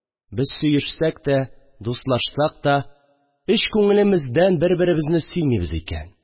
Без, сөешсәк тә, дустланышсак та, эч күңелемездән бер-беребезне сөймимез икән